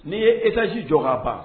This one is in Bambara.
Ne'i ye etage- - jɔ k'a ban!